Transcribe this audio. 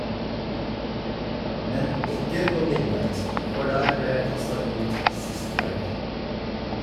Men IKKE på Midnight, for der ble jeg kasta ut sist helg.